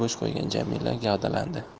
bosh qo'ygan jamila gavdalandi